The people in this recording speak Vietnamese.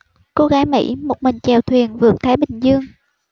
cô gái mỹ một mình chèo thuyền vượt thái bình dương